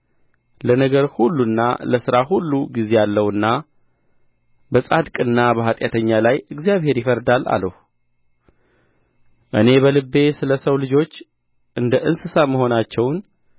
ለነገር ሁሉና ለሥራ ሁሉ ጊዜ አለውና በጻድቅና በኃጢአተኛ ላይ እግዚአብሔር ይፈርዳል አልሁ እኔ በልቤ ስለ ሰው ልጆች እንደ እንስሳ መሆናቸውን